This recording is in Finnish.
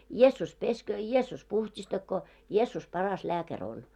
Jeesus pesköön Jeesus puhdistakoon Jeesus paras lääkäri on